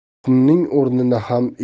qumning o'rnini ham